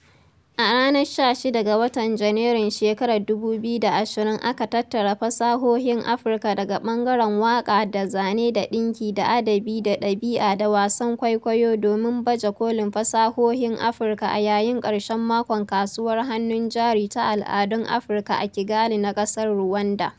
A ranar 16 ga watan Junairun shekarar 2020 aka tattara fasahohin Afirka daga ɓangaren waƙa da zane da ɗinki da adabi da ɗab'i da wasan kwaikwayo domin baje kolin fasahohin Afirka a yayin ƙarshen makon Kasuwar Hannun Jari ta al'adun Afirka a Kigali na ƙasar Ruwanda.